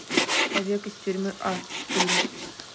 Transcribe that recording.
побег из тюрьмы а четыре